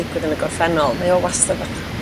digwydd yn y gorffennol mae o wastad fetha